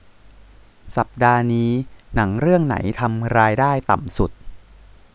สัปดาห์นี้หนังเรื่องไหนทำรายได้ต่ำสุด